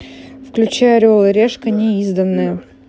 включи орел и решка неизданное